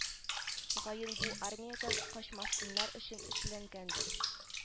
Мөгаен бу армиядән качмасыннар өчен эшләнгәндер